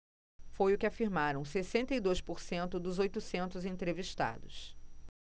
foi o que afirmaram sessenta e dois por cento dos oitocentos entrevistados